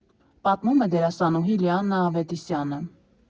Պատմում է դերասանուհի Լիաննա Ավետիսյանը։